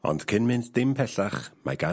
...ond cyn mynd dim pellach mae gan...